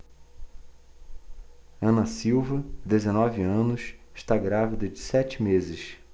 ana silva dezenove anos está grávida de sete meses